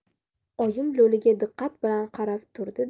oyim lo'liga diqqat bilan qarab turdi da